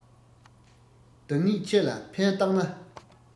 བདག ཉིད ཆེ ལ ཕན བཏགས ན